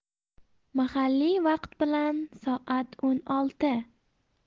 mahalliy vaqt bilan soat o'n olti